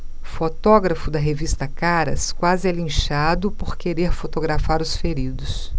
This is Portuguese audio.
fotógrafo da revista caras quase é linchado por querer fotografar os feridos